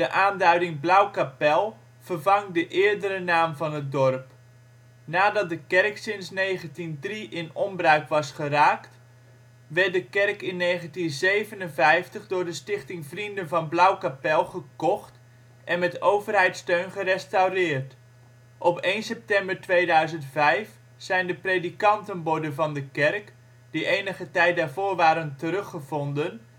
aanduiding " Blauwkapel " vervangt de eerdere naam van het dorp. Nadat de kerk sinds 1903 in onbruik was geraakt, werd de kerk in 1957 door de Stichting Vrienden van Blauwkapel gekocht en met overheidssteun gerestaureerd. Op 1 september 2005 zijn de predikantenborden van de kerk, die enige tijd daarvoor waren teruggevonden